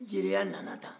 jireya nana tan